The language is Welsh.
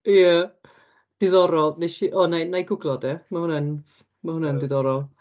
Ia, diddorol. Wnes i... o wna i wna i gwglo de. Ma' hwnna'n ma' hwnna'n diddorol.